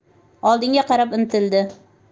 oldinga qarab intildi